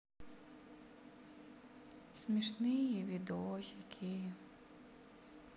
смешные видосики